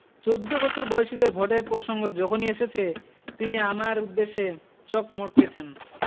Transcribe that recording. চৌদ্দ বছর বয়সীদের ভোটের প্রসঙ্গ যখনই এসেছে তিনি আমার উদ্দেশে চোখ মটকেছেন